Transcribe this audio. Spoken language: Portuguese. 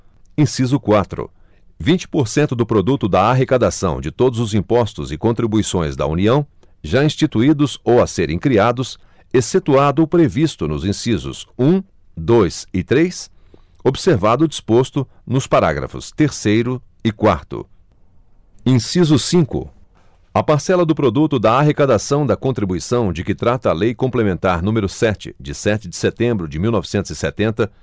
inciso quatro vinte por cento do produto da arrecadação de todos os impostos e contribuições da união já instituídos ou a serem criados excetuado o previsto nos incisos um dois e três observado o disposto nos parágrafos terceiro e quarto inciso cinco a parcela do produto da arrecadação da contribuição de que trata a lei complementar número sete de sete de setembro de mil e novecentos e setenta